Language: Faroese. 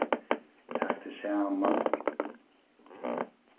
tak teg saman